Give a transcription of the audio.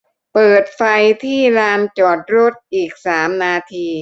เปิดไฟที่ลานจอดรถอีกสามนาที